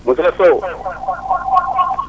monsieur Sow